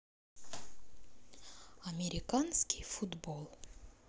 американский футбол